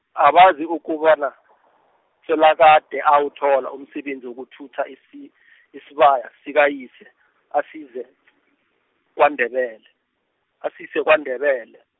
abazi ukobana , selakade awuthola umsebenzi wokuthutha isi- , isibaya sikayise, asize , kwaNdebele, asise kwaNdebele.